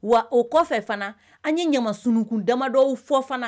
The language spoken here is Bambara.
Wa o kɔfɛ fana an ye ɲamaskun damadɔ fɔ fana